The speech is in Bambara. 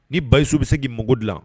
Ni Bayisu bi se ki mako gilan